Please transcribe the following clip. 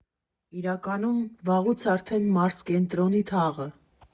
Իրականում վաղուց արդեն՝ մարզկենտրոնի թաղը։